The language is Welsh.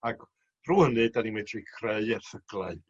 Ag rŵan 'ny 'dan ni medru creu erthyglau.